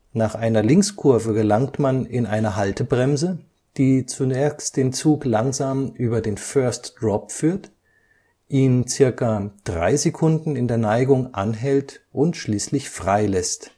Nach einer Linkskurve gelangt man in eine Haltebremse, die zuerst den Zug langsam über den First Drop führt, ihn ca. drei Sekunden in der Neigung anhält und schließlich frei lässt